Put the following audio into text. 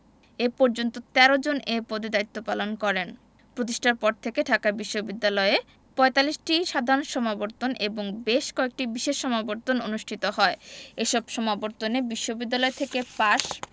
এ পর্যন্ত ১৩ জন এ পদে দায়িত্বপালন করেন প্রতিষ্ঠার পর থেকে ঢাকা বিশ্ববিদ্যালয়ে ৪৫টি সাধারণ সমাবর্তন এবং বেশ কয়েকটি বিশেষ সমাবর্তন অনুষ্ঠিত হয় এসব সমাবর্তনে বিশ্ববিদ্যালয় থেকে পাশ